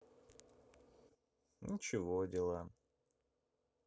ничего дела